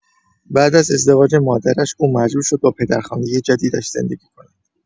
بعد از ازدواج مادرش، او مجبور شد با پدرخواندۀ جدیدش زندگی کند.